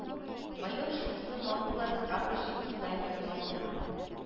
Майор шульцны мактыйлар прапорщик исаевны мактыйлар